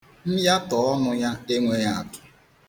Myatọ ọnụ ya enweghị atụ.